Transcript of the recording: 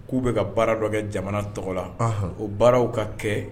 K'u bɛ ka baara dɔ kɛ jamana tɔgɔ la o baaraw ka kɛ